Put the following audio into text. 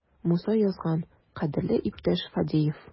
Муса язган: "Кадерле иптәш Фадеев!"